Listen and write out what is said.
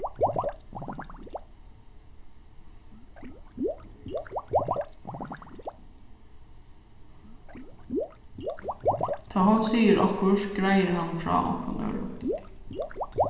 tá hon sigur okkurt greiðir hann frá onkrum øðrum